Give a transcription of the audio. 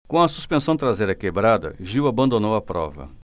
com a suspensão traseira quebrada gil abandonou a prova